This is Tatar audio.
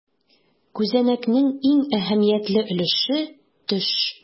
Күзәнәкнең иң әһәмиятле өлеше - төш.